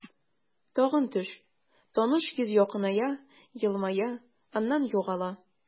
Тагын төш, таныш йөз якыная, елмая, аннан югала.